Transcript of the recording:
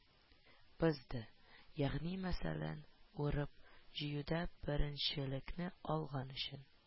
Бозды: ягъни мәсәлән, урып-җыюда беренчелекне алган өчен